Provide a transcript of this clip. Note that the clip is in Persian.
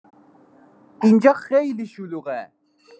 اینجا خیلی شلوغه!